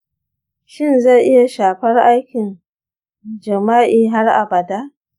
shin zai iya shafar aikin jima’i har abada?